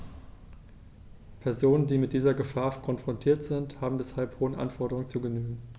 Personen, die mit dieser Gefahr konfrontiert sind, haben deshalb hohen Anforderungen zu genügen.